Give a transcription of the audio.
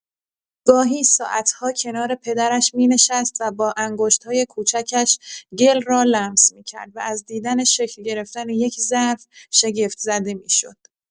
گاهی ساعت‌ها کنار پدرش می‌نشست و با انگشت‌های کوچکش گل را لمس می‌کرد و از دیدن شکل گرفتن یک ظرف، شگفت‌زده می‌شد.